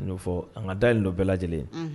N y'o fɔ an ka dalen dɔ bɛɛ lajɛlen